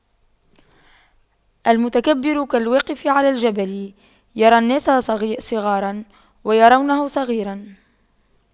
المتكبر كالواقف على الجبل يرى الناس صغاراً ويرونه صغيراً